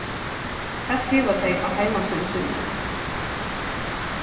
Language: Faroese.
tað skriva tey á heimasíðu sínari